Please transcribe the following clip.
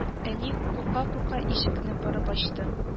Әни, курка-курка, ишекне барып ачты